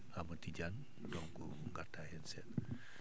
Amadou Tidiane donc ngartaa heen seeɗa